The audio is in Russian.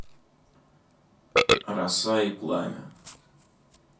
роса и пламя